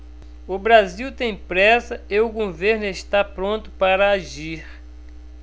o brasil tem pressa e o governo está pronto para agir